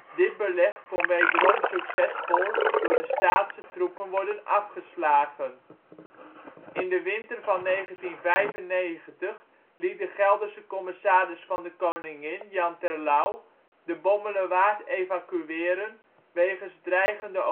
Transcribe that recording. Dit beleg kon wederom succesvol door de Staatse troepen worden afgeslagen. In de winter van 1995 liet de Gelderse commissaris van de koningin Jan Terlouw de Bommelerwaard evacueren wegens dreigende